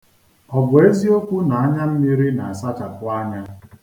Ọ bụ eziokwu na anyammiri na-asachapụ anya?